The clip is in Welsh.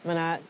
ma' 'na